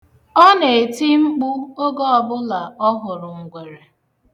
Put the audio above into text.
Ọ na-eti mkpu oge ọbụla ọ hụrụ ngwere.